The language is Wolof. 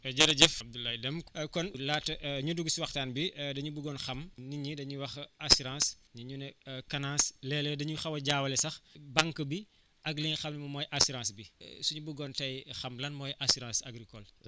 jërëjëf Abdoulaye Deme kon laata ñu dugg si waxtaan bi dañu bëggoon xam nit ñi dañuy wax assurance ñu ne CNAAS léeg-léeg dañuy xaw a jaawale sax banque bi ak li nga xam ne mooy assurance bi suñu bëggoon tey xam lan mooy assurance agricole